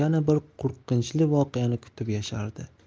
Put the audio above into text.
yana bir qo'rqinchli voqeani kutib yashardi